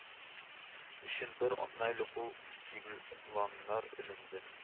Өчен бер атна элек үк игъланнар эленде